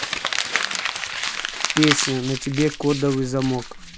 песня на тебе кодовый замок